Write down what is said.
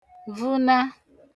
vuna